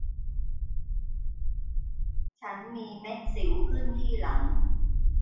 ฉันมีเม็ดสิวขึ้นที่หลัง